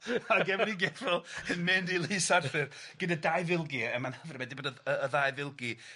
Ar gefn 'i geffyl yn mynd i Lys Arthur gyda dau filgi a a mae'n hyfryd bod y y ddau filgi